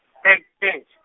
ee .